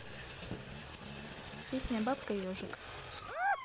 песня бабка ежик